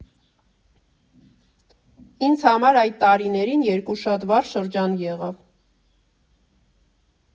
Ինձ համար այդ տարիներին երկու շատ վառ շրջան եղավ։